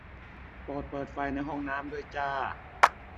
โปรดเปิดไฟในห้องน้ำด้วยจ้า